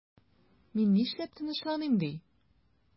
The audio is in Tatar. Мин нишләп тынычланыйм ди?